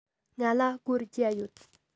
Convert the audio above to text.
ང ལ སྒོར བརྒྱ ཡོད